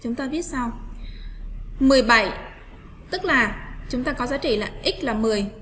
chúng ta biết sao tức mà chúng ta có giá trị x là